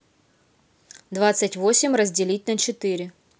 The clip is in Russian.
двадцать восемь разделить на четыре